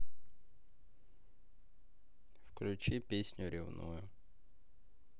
включи песню ревную